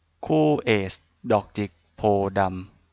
คู่เอซดอกจิกโพธิ์ดำ